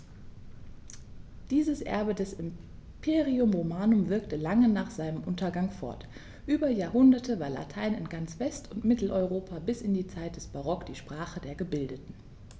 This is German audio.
Dieses Erbe des Imperium Romanum wirkte lange nach seinem Untergang fort: Über Jahrhunderte war Latein in ganz West- und Mitteleuropa bis in die Zeit des Barock die Sprache der Gebildeten.